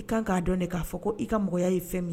I kan k'a dɔn de k'a fɔ ko' ka mɔgɔya ye fɛn min ye